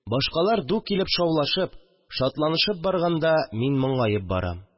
Башкалар ду килеп шаулашып, шатланышып барганда, мин моңаеп барам